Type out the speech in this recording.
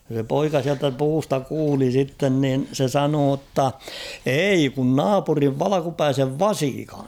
se poika sieltä puusta kuuli sitten niin se sanoi jotta ei kun naapurin valkeapäisen vasikan